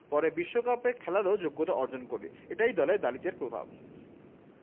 পরে বিশ্বকাপে খেলারও যোগ্যতা অর্জন করি এটাই দলে দালিচের প্রভাব